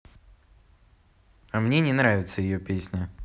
а мне не нравится ее песня